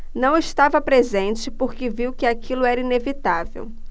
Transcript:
não estava presente porque viu que aquilo era inevitável